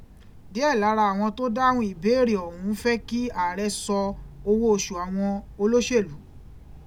Díẹ̀ lára àwọn tó dáhùn ìbéèrè ọ̀hún ń fẹ́ kí Ààrẹ sọ owó oṣù àwọn olóṣèlú.